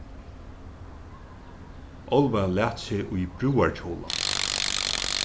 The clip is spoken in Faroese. óluva læt seg í brúðarkjólan